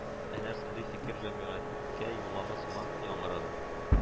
Әнә шундый фикер җәмгыятькә юллама сыман яңгырады